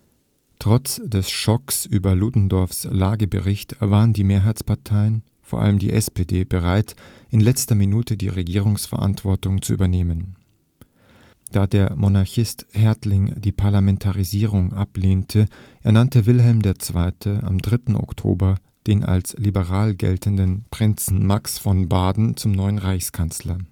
Trotz des Schocks über Ludendorffs Lagebericht waren die Mehrheitsparteien, vor allem die SPD, bereit, in letzter Minute die Regierungsverantwortung zu übernehmen. Da der Monarchist Hertling die Parlamentarisierung ablehnte, ernannte Wilhelm II. am 3. Oktober den als liberal geltenden Prinzen Max von Baden zum neuen Reichskanzler